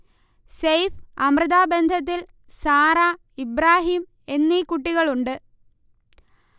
സെയ്ഫ്-അമൃത ബന്ധത്തിൽ സാറ, ഇബ്രാഹീം എന്നീ കുട്ടികളുണ്ട്